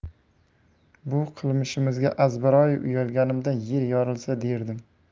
bu qilmishimizga azbaroyi uyalganimdan yer yorilsa derdim